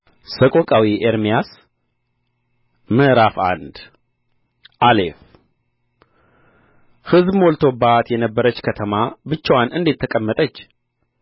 ሰቆቃዊ ኤርምያስ ምዕራፍ አንድ አሌፍ ሕዝብ ሞልቶባት የነበረች ከተማ ብቻዋን እንዴት ተቀመጠች